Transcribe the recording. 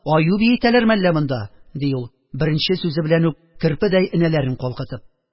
Аю биетәләр мәллә монда? – ди ул, беренче сүзе белән үк керпедәй энәләрен калкытып.